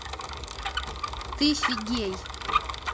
ты фигей